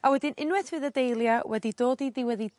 A wedyn unweith fydd y dahlia wedi dod i ddiwedd 'i